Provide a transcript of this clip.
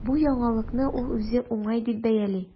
Бу яңалыкны ул үзе уңай дип бәяли.